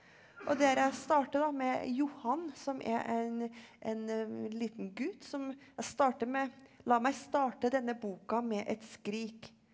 og der jeg starter da med Johan som er en en liten gutt som jeg starter med la meg starte denne boka med et skrik.